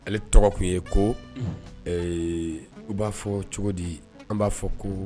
Ale tɔgɔ tun ye ko u b'a fɔ cogo di an b'a fɔ ko